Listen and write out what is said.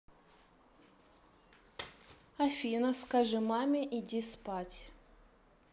афина скажи маме идти спать